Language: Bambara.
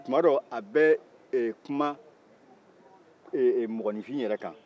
tuman dɔw a bɛ ee kuma ee mɔgɔnifin yɛrɛ kan